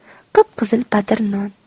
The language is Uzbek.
qip qizil patir non